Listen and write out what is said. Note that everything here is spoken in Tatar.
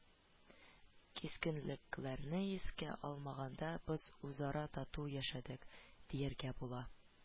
Кискенлекләрне искә алмаганда, без үзара тату яшәдек, дияргә була